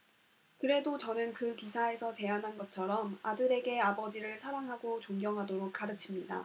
그래도 저는 그 기사에서 제안한 것처럼 아들에게 아버지를 사랑하고 존경하도록 가르칩니다